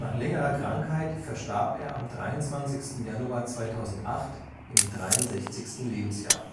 längerer Krankheit verstarb er am 23. Januar 2008 im 63. Lebensjahr